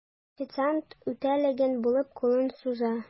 Официант, ютәлләгән булып, кулын суза.